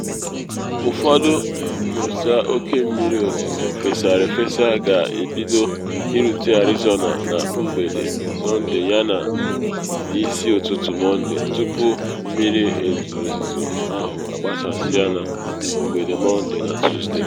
Ụfọdụ nyọsa oke mmiri ozizo fesara efesa ga-ebido irute Arizona na mgbede Sọnde yana n’isi ụtụtụ Mọnde, tupu mmiri ozizo ahụ agbasasịa na mgbede Mọnde na Tusde.